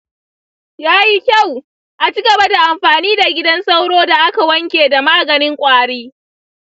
yayi kyau; acigaba da anfani da gidan sauro da aka wanke da maganin kwari.